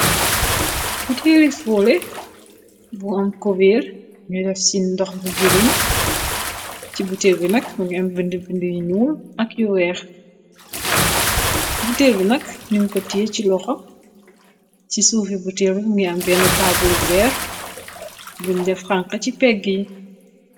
bu telefole bu am cobeer ñu def si ndox bu giriin ci bu ter bi nak mungi am bind bind y nuul ak yu weex bu ter bi nak num ko tee ci loxo ci suufi bu terbi mungi am benn taabali veer buñ de franca ci pegg yi